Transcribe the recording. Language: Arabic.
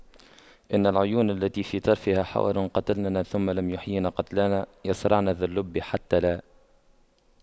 إن العيون التي في طرفها حور قتلننا ثم لم يحيين قتلانا يَصرَعْنَ ذا اللب حتى لا